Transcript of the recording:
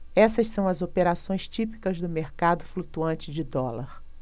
essas são as operações típicas do mercado flutuante de dólar